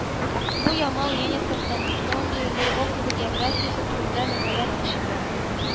Бу Ямал-Ненец автономияле округы географиясе турында мәкалә төпчеге